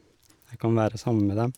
Jeg kan være sammen med dem.